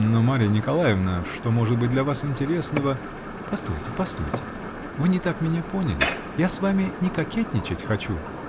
-- Но, Марья Николаевна, что может быть для вас интересного. -- Постойте, постойте. Вы не так меня поняли. Я с вами не кокетничать хочу.